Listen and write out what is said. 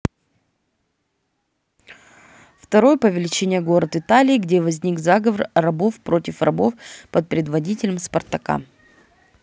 второй по величине город италии где возник заговор рабов против рабов под предводителем спартака